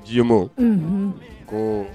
gemeau ko, unhun.